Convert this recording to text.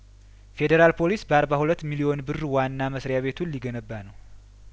ፌዴራል ፖሊስ በአርባ ሁለት ሚሊዮን ብር ዋና መስሪያ ቤቱን ሊገነባ ነው